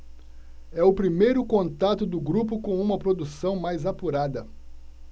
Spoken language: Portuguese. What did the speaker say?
é o primeiro contato do grupo com uma produção mais apurada